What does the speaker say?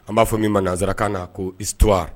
An b'a fɔ min ma nansarakan na ko itura